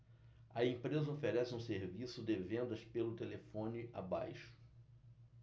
a empresa oferece um serviço de vendas pelo telefone abaixo